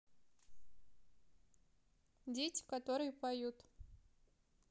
дети которые поют